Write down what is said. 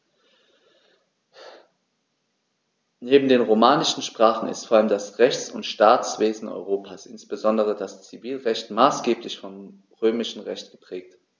Neben den romanischen Sprachen ist vor allem das Rechts- und Staatswesen Europas, insbesondere das Zivilrecht, maßgeblich vom Römischen Recht geprägt.